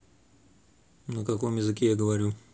на каком языке я говорю